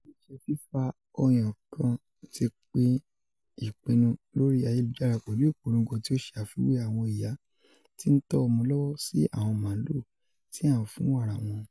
Ile iṣẹ fifa ọyan kan ti pin ipinnu lori ayelujara pẹlu ipolongo ti o ṣe afiwe awọn iya ti n tọ ọmọ lọwọ si awọn maalu ti a n fun wara wọn.